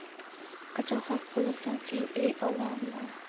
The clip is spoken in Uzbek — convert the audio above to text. qachon xalq bo'lasan sen ey olomon